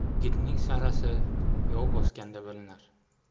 yigitning sarasi yov bosganda bilinar